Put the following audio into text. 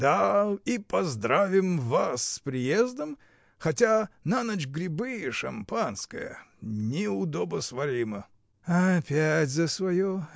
— Да — и поздравим вас с приездом, — хотя на ночь грибы и шампанское. неудобосваримо. — Опять за свое!